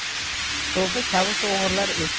so'fi kavush o'g'irlar